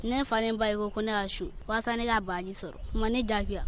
ne fa ni n ba de ko ko ne ka sun walasa ne ka baraji sɔrɔ u ma ne diyagoya